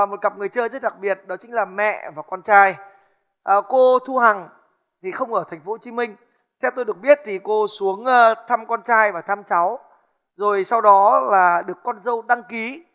một cặp người chơi rất đặc biệt đó chính là mẹ và con trai cô thu hằng thì không ở thành phố hồ chí minh theo tôi được biết thì cô xuống thăm con trai và thăm cháu rồi sau đó là được con dâu đăng ký